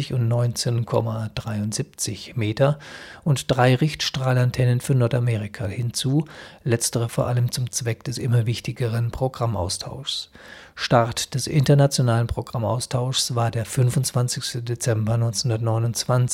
19,73 m und drei Richtstrahlantennen für Nordamerika hinzu, letztere vor allem zum Zweck des immer wichtigeren Programmaustauschs. Start des internationalen Programmaustauschs war der 25. Dezember 1929